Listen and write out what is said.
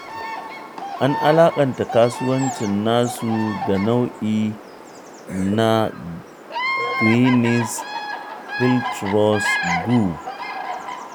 An alaƙanta kasuwancin nasu ga nau’i na Gwyneth Paltrow's Goop.